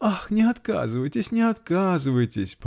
-- Ах. не отказывайтесь, не отказывайтесь!